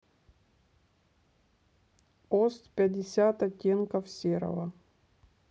ост пятьдесят оттенков серого